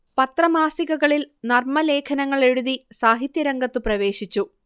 പത്രമാസികകളിൽ നർമലേഖനങ്ങളെഴുതി സാഹിത്യ രംഗത്തു പ്രവേശിച്ചു